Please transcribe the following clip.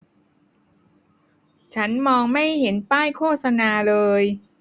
ฉันมองไม่เห็นป้ายโฆษณาเลย